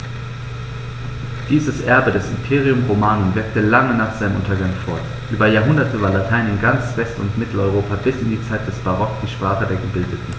Dieses Erbe des Imperium Romanum wirkte lange nach seinem Untergang fort: Über Jahrhunderte war Latein in ganz West- und Mitteleuropa bis in die Zeit des Barock die Sprache der Gebildeten.